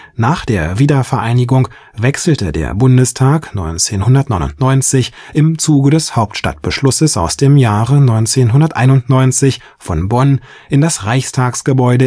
Nach der Wiedervereinigung wechselte der Bundestag 1999 im Zuge des Hauptstadtbeschlusses aus dem Jahre 1991 von Bonn in das Reichstagsgebäude